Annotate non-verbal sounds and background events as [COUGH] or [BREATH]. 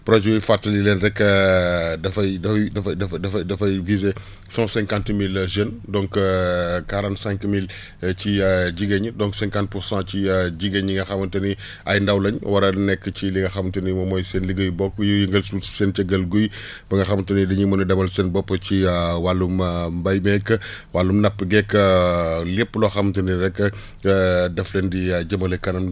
projet bi fàttali leen rek [HESITATION] dafay day dafa dafa dafay viser cent cinquante mille jeunes donc [HESITATION] quarante cinq mille [BREATH] ci [HESITATION] jigéen ñi donc cinquante pour cent ci jigéen ñi nga xamante ni [BREATH] ay ndaw lañ war a nekk ci li nga xamante ni moom mooy seen liggéeyu bopp yi yëngal suuf seen cëgal guy [BREATH] ba nga xamante ni dinañ mën a demal seen bopp [HESITATION] wàllum [HESITATION] mbay meeg [BREATH] wàllum napp geeg [HESITATION] lépp loo xamante ni rek [HESITATION] daf leen di jëmale kanam